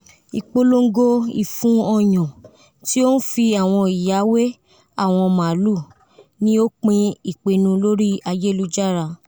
Ipolongo ifun ọyan ti o n fi awọn iya we awọn maalu ni o pin ipinnu lori ayelujara